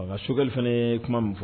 Ɔ ŋa Choguel fɛnɛ yee kuma min fɔ